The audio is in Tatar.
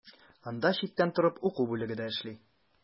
Анда читтән торып уку бүлеге дә эшли.